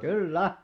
kyllä